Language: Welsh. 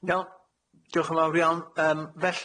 Wel, diolch yn fawr iawn. Yym felly